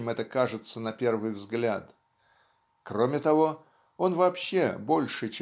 чем это кажется на первый взгляд. Кроме того он вообще больше